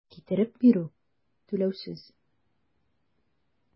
Китереп бирү - түләүсез.